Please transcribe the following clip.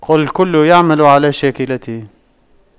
قُل كُلٌّ يَعمَلُ عَلَى شَاكِلَتِهِ